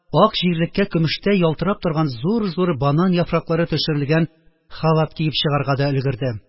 Ак җирлеккә көмештәй ялтырап торган зур-зур банан яфраклары төшерелгән халат киеп чыгарга да өлгерде